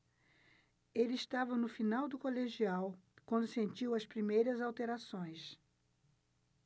ele estava no final do colegial quando sentiu as primeiras alterações